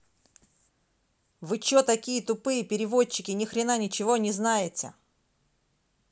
вы че такие тупые переводчики нихрена ничего не знаете